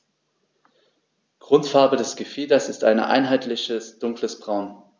Grundfarbe des Gefieders ist ein einheitliches dunkles Braun.